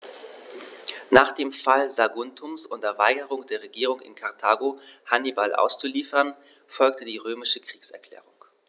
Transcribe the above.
Nach dem Fall Saguntums und der Weigerung der Regierung in Karthago, Hannibal auszuliefern, folgte die römische Kriegserklärung.